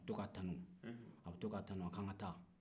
a to ka tanu k'an ka taa